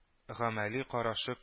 Гамәли карашы